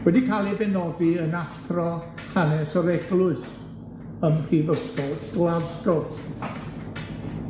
wedi ca'l 'i benodi yn Athro Hanes yr Eglwys, ym mhrifysgol Glasgow.